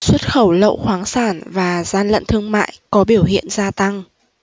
xuất khẩu lậu khoáng sản và gian lận thương mại có biểu hiện gia tăng